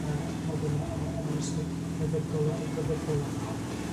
yy a ch'mod yn y yn y yn yr ystyr meddygol yn feddygol yna